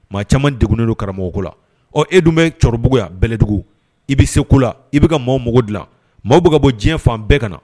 Maa caman degunnen don karamɔgɔ la h e dun bɛ cɛkɔrɔbabuguya bɛɛlɛdugu i bɛ se la i bɛka ka maaw mako dilan maaw bɛ ka bɔ diɲɛ fan bɛɛ ka na